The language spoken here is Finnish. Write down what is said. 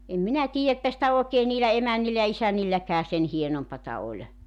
en minä tiedä että sitä oikein niillä emännillä ja isännilläkään sen hienompaa oli